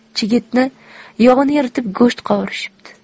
chigitni yog'ini eritib go'sht qovurishibdi